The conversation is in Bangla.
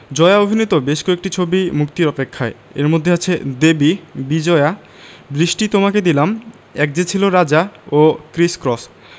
জয়া অভিনীত বেশ কয়েকটি ছবি মুক্তির অপেক্ষায় এর মধ্যে আছে দেবী বিজয়া বৃষ্টি তোমাকে দিলাম এক যে ছিল রাজা ও ক্রিস ক্রস